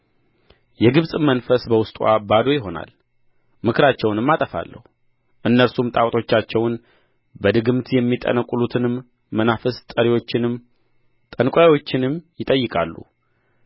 የግብጽም መንፈስ በውስጥዋ ባዶ ይሆናል ምክራቸውንም አጠፋለሁ እነርሱም ጣዖቶቻቸውን በድግምት የሚጠነቍሉትንም መናፍስት ጠሪዎቻቸውንም ጠንቋዮቻቸውንም ይጠይቃሉ